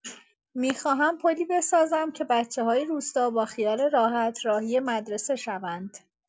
می‌خواهم پلی بسازم که بچه‌های روستا با خیال راحت راهی مدرسه شوند.